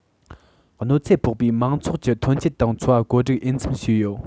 གནོད འཚེ ཕོག པའི མང ཚོགས ཀྱི ཐོན སྐྱེད དང འཚོ བ བཀོད སྒྲིག འོས འཚམ བྱས ཡོད